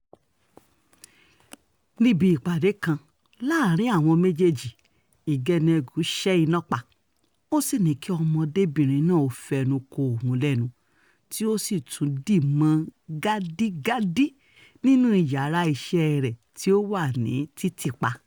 Níbi ìpàdé kan láàárín àwọn méjèèjì, Igbeneghu ṣẹ́ iná pa, ó sì ní kí ọmọdébìnrin náà ó fẹ́nu ko òhun lẹ́nu, tí ó sì tún dì mọ́ ọn gbádígbádí nínúu iyàraa iṣẹ́ẹ rẹ̀ tí ó wà ní títì pa.